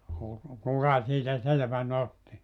- kuka siitä selvän otti